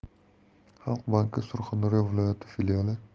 xalq banki surxondaryo viloyati